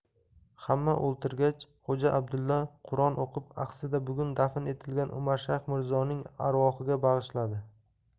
hamma o'ltirgach xo'ja abdulla quron o'qib axsida bugun dafn etilgan umarshayx mirzoning arvohiga bag'ishladi